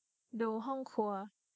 ดูห้องครัว